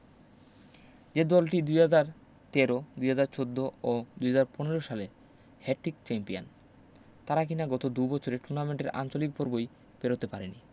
যে দলটি ২০১৩ ২০১৪ ও ২০১৫ সালে হ্যাট্টিক চ্যাম্পিয়ান তারা কিনা গত দুবছরে টুর্নামেন্টের আঞ্চলিক পর্বই পেরোতে পারেনি